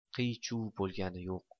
qiy chuv bo'lgani yo'q